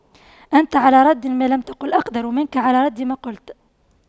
أنت على رد ما لم تقل أقدر منك على رد ما قلت